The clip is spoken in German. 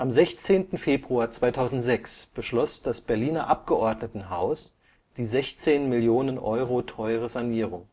16. Februar 2006 beschloss das Berliner Abgeordnetenhaus die 16 Millionen Euro teure Sanierung